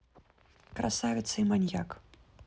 красавица и маньяк